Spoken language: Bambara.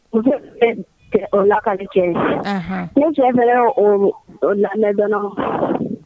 N o lakali cɛ ne cɛ bɛ lamɛn dɔrɔn